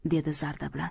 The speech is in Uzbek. dedi zarda bilan